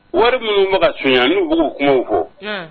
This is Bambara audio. Wari minnu bɛka sonya ni b'u k'o kuma fɔ